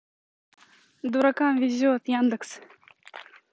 дуракам везет яндекс